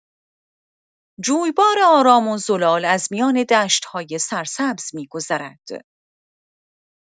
جویبار آرام و زلال از میان دشت‌های سرسبز می‌گذرد.